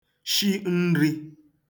shi nri